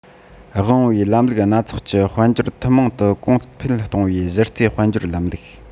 དབང བའི ལམ ལུགས སྣ ཚོགས ཀྱི དཔལ འབྱོར ཐུན མོང དུ གོང འཕེལ གཏོང བའི གཞི རྩའི དཔལ འབྱོར ལམ ལུགས